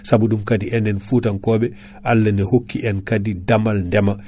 saabu ɗum kaadi enen foutankoɓe Allah ina hokki en kaadi dammal ndeema